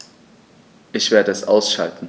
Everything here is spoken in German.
Ich werde es ausschalten